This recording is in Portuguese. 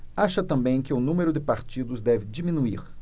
acha também que o número de partidos deve diminuir